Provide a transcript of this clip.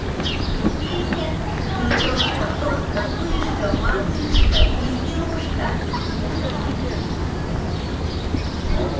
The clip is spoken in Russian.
песня ты просто просто пышка малышка безделушка